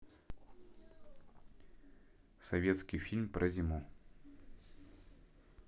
советский фильм про зиму